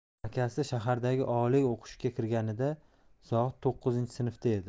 akasi shahardagi oliy o'qishga kirganida zohid to'qqizinchi sinfda edi